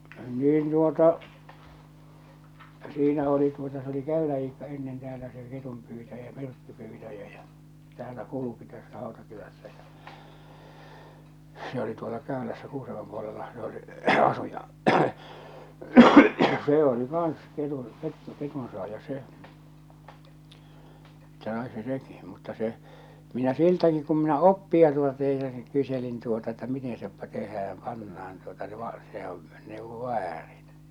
niin tuota siinä oli tuota se oli Käylän Iikka ennen täällä se ketunpyytäjä myrkkypyytäjä ja täällä kulki tässä Hautakylässä se oli tuolla Käylässä Kuusamon puolellahan se oli asui ja se oli kanssa -- ketunsaaja se että sai se sekin mutta se minä siltäkin kun minä oppia tuota teisasin kyselin tuota että miten se tehdään pannaan tuota se - sehän neuvoi väärin